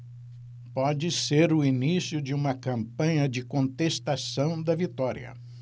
pode ser o início de uma campanha de contestação da vitória